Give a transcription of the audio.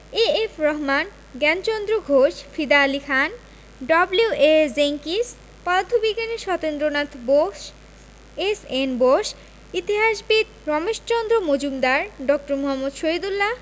A F Rahman Gyanchandra Ghosh Fida Ali Khan W A Jenkins পদার্থবিজ্ঞানী Satyendranath Bose S N Bose ইতিহাসবিদ রমেশচন্দ্র মজুমদার ড. মুহাম্মদ শহীদুল্লাহ